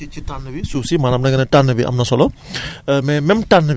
nga wax ñu ci ci ci ci ci ci ci tànn wi suuf si maanaam da nga ne tànn bi am na solo